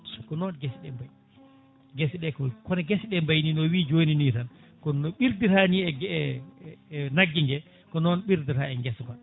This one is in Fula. ko noon gueseɗe mbay guese ɗe kono guese ɗe mbayni no wii joni ni tan kono ɓirdatani tan e naggue ngue ko noon ɓirdata e guesa ba